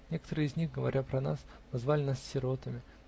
Некоторые из них, говоря про нас, называли нас сиротами.